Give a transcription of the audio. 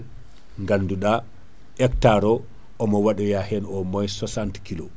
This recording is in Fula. ganduɗa hectare o omo waɗoya hen au moins 60 kilos